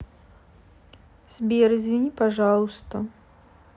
сбер извини пожалуйста